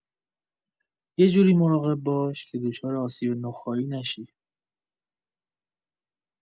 یه جوری مراقب باش که دچار آسیب نخاعی نشی.